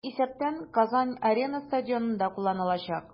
Шул исәптән "Казан-Арена" стадионы да кулланылачак.